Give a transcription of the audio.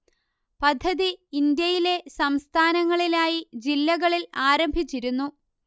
പദ്ധതി ഇന്ത്യയിലെ സംസ്ഥാനങ്ങളിലായി ജില്ലകളിൽ ആരംഭിച്ചിരുന്നു